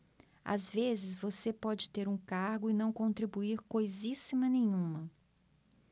às vezes você pode ter um cargo e não contribuir coisíssima nenhuma